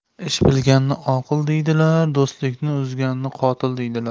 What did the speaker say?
ish bilganni oqil deydilar do'stlikni uzganni qotil deydilar